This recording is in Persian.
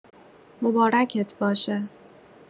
مبارکت باشه